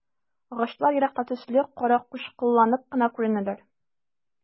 Агачлар еракта төсле каракучкылланып кына күренәләр.